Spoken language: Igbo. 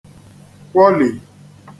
kwọlì